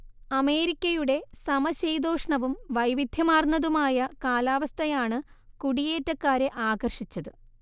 അമേരിക്കയൂടെ സമശീതോഷ്ണവും വൈവിധ്യമാർന്നതുമായ കാലവസ്ഥയയണ് കൂടിയേറ്റക്കാരെ ആകർഷിച്ചത്